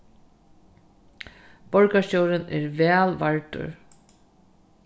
borgarstjórin er væl vardur